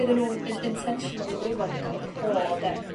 ...iddyn nhwin- intentionally frifo ni ond y core 'de